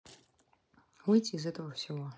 выйти из этого всего